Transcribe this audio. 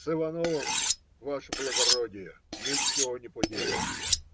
С Ивановым, ваше благородие, ничего не поделаешь,